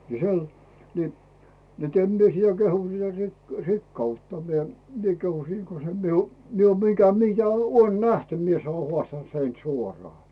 niin - niin että en minä sitä kehu sitä - rikkautta minä minä kehun siinä kun se minun minä olen mitä mitä olen nähty minä se olen haastanut sen suoraan